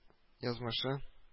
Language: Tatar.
Язмышы